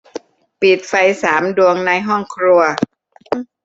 ปิดไฟสามดวงในห้องครัว